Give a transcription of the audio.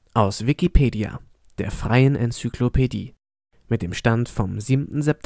aus Wikipedia, der freien Enzyklopädie. Mit dem Stand vom Der